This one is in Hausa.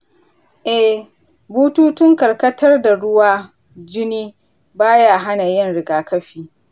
eh, bututun karkatar da ruwa/jini ba ya hana yin rigakafi.